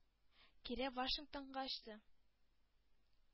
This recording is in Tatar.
Кире вашингтонга очты.